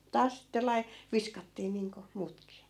taas sitten - viskattiin niin kuin muutkin